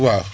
waaw